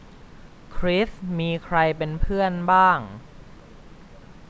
คริสมีใครเป็นเพื่อนบ้าง